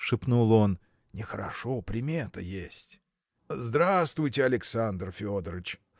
– шепнул он, – нехорошо, примета есть. – Здравствуйте, Александр Федорыч!